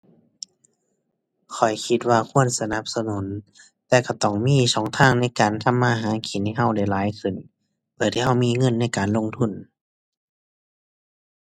ข้อยคิดว่าควรสนับสนุน แต่ก็ต้องมีช่องทางในการทำมาหากินให้ก็ได้หลายขึ้น เพื่อที่ก็มีเงินในการลงทุน